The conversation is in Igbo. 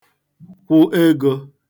kwụ egō